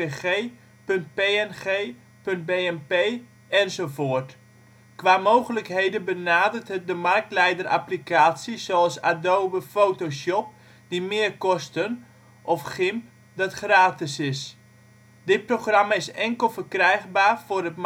gif,. jpg,. png,. bmp enz. Qua mogelijkheden benadert het de marktleiderapplicaties zoals Adobe Photoshop, die meer kosten, of GIMP, dat gratis is. Dit programma is enkel verkrijgbaar voor het